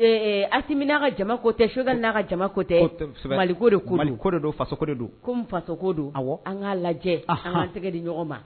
Ee aminan ka kotɛ sokɛga jamakotɛ baliko ko baliko don fasoko don ko n fasoko don an ka lajɛ ɲɔgɔn ma an